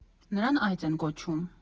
Նրան «այծ» են կոչում։